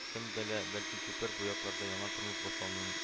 Кем белә, бәлки, күпер бу якларда яңа тормыш башлануын